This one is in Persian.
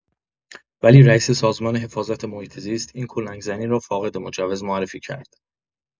ولی رئیس سازمان حفاظت محیط‌زیست این کلنگ‌زنی را فاقد مجوز معرفی کرد.